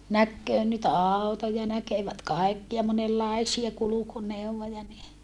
näkee nyt autoja näkevät kaikkia monenlaisia kulkuneuvoja niin